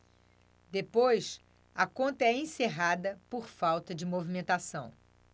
depois a conta é encerrada por falta de movimentação